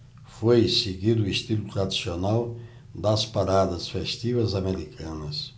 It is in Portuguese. foi seguido o estilo tradicional das paradas festivas americanas